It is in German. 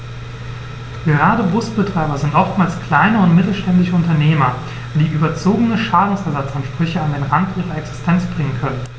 Gerade Busbetreiber sind oftmals kleine und mittelständische Unternehmer, die überzogene Schadensersatzansprüche an den Rand ihrer Existenz bringen können.